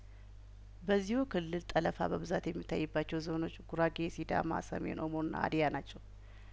በዚሁ ክልል ጠለፋ በብዛት የሚታይባቸው ዞኖች ጉራጌ ሲዳማ ሰሜን ኦሞና ሀዲያ ናቸው